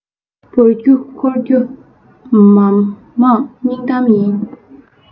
འབར རྒྱུ འཁོར རྒྱུ མ མང སྙིང གཏམ ཡིན